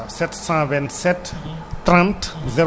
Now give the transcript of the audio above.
727 30